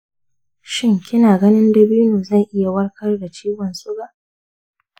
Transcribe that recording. shin kina ganin dabino zai iya warkar da ciwon suga?